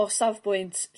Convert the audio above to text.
o safbwynt